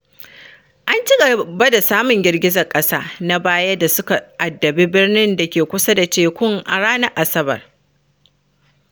An ci gaba da samun girgizar ƙasa na baya da suka addabi birnin da ke kusa da tekun a ranar Asabar.